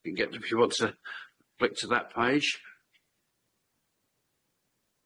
You can get, if you want to, click to that page.